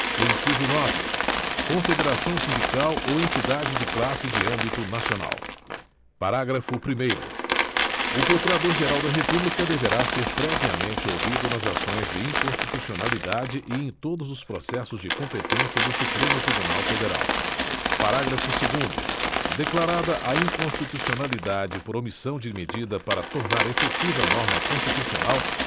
inciso nove confederação sindical ou entidade de classe de âmbito nacional parágrafo primeiro procurador geral da república deverá ser previamente ouvido nas ações de inconstitucionalidade e em todos os processos de competência do supremo tribunal federal parágrafo segundo declarada a inconstitucionalidade por omissão de medida para tornar efetiva norma constitucional